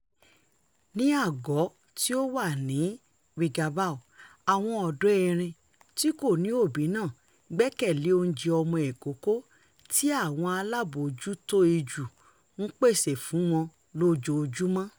Ní àgọ́ tí ó wà ní Wingabaw, àwọn ọ̀dọ́ erin tí kò ní òbí náà gbẹ́kẹ̀lé oúnjẹ ọmọ ìkókó tí àwọn alábòójútó ijù ń pèsè fún wọn lójoojúmọ́.